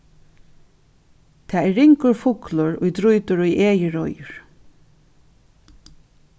tað er ringur fuglur ið drítur í egið reiður